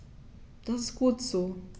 Das ist gut so.